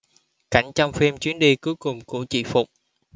cảnh trong phim chuyến đi cuối cùng của chị phụng